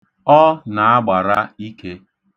Ọ na-agbara ike.